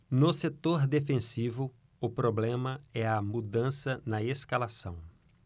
no setor defensivo o problema é a mudança na escalação